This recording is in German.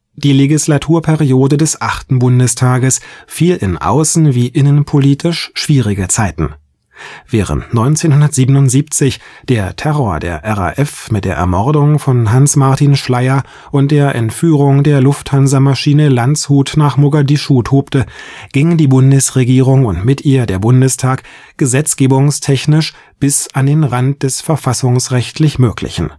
Legislaturperiode des achten Bundestages fiel in außen - wie innenpolitisch schwierige Zeiten. Während 1977 der Terror der RAF mit der Ermordung von Hanns Martin Schleyer und der Entführung der Lufthansa-Maschine „ Landshut “nach Mogadischu tobte, ging die Bundesregierung und mit ihr der Bundestag gesetzgebungstechnisch „ bis an den Rand des verfassungsrechtlich Möglichen